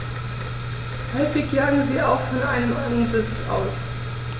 Häufig jagen sie auch von einem Ansitz aus.